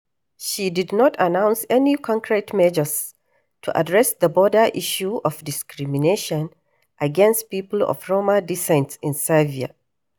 She did not announce any concrete measures to address the broader issue of discrimination against people of Roma descent in Serbia.